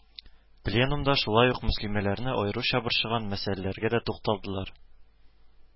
Пленумда шулай ук мөслимәләрне аеруча борчыган мәсьәләләргә дә тукталдылар